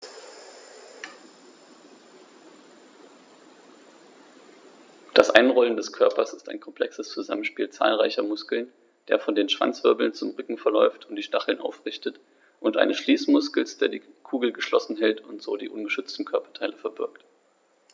Das Einrollen des Körpers ist ein komplexes Zusammenspiel zahlreicher Muskeln, der von den Schwanzwirbeln zum Rücken verläuft und die Stacheln aufrichtet, und eines Schließmuskels, der die Kugel geschlossen hält und so die ungeschützten Körperteile verbirgt.